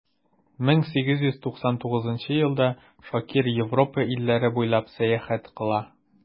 1899 елда шакир европа илләре буйлап сәяхәт кыла.